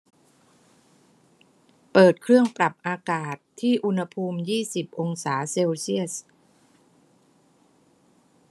เปิดเครื่องปรับอากาศที่อุณหภูมิยี่สิบองศาเซลเซียส